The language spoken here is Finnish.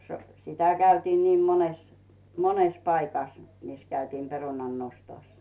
- sitä käytiin niin monessa monessa paikassa missä käytiin perunannostossa